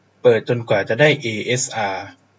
เปิดจนกว่าจะได้เอเอสอา